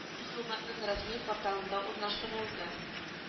Хөкүмәтнең рәсми порталында урнаштырылды